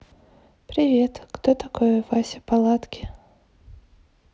привет кто такой вася палатки